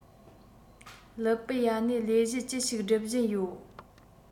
ལི པི ཡ ནས ལས གཞི ཅི ཞིག སྒྲུབ བཞིན ཡོད